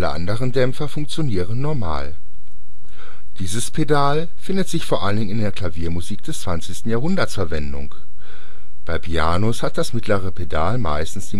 anderen Dämpfer funktionieren normal. Dieses Pedal findet vor allem in der Klaviermusik des 20. Jahrhunderts Verwendung. Bei Pianos hat das mittlere Pedal meistens